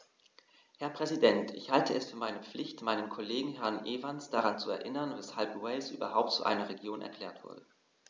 Herr Präsident, ich halte es für meine Pflicht, meinen Kollegen Herrn Evans daran zu erinnern, weshalb Wales überhaupt zu einer Region erklärt wurde.